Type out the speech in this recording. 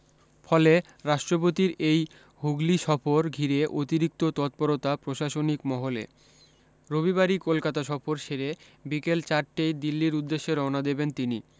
ফলে রাষ্ট্রপতির এই হুগলি সফর ঘিরে অতিরিক্ত তৎপরতা প্রশাসনিক মহলে রবিবারই কলকাতা সফর সেরে বিকেল চারটেয় দিল্লীর উদ্দেশ্যে রওনা দেবেন তিনি